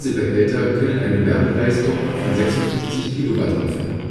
Behälter können eine Wärmeleistung von 56 kW abführen